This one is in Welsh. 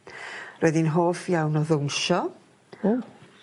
Roedd hi'n hoff iawn o ddownsio. O.